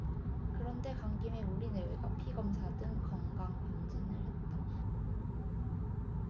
그런데 간 김에 우리 내외가 피검사 등 건강검진을 했다